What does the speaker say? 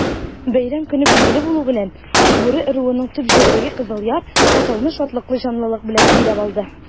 Бәйрәм көне билгеле булу белән, Акбүре ыруының төп җирлеге Кызыл Яр-катауны шатлыклы җанлылык биләп алды.